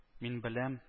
Мин беләм -